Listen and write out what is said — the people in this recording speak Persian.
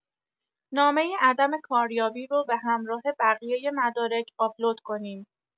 نامۀ عدم کاریابی رو به همراه بقیۀ مدارک آپلود کنیم